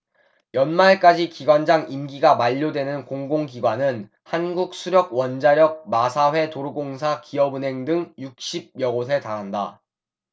연말까지 기관장 임기가 만료되는 공공기관은 한국수력원자력 마사회 도로공사 기업은행 등 육십 여곳에 달한다